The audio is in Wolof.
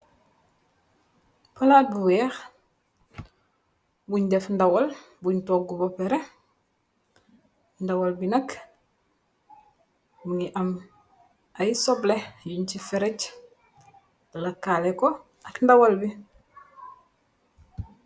Palat bu weex, bunj def ndawal, bunj toggu ba pare, ndawal bi nak, mingi am ay somble yuny si fereej, lakale ko ak ndawal bi,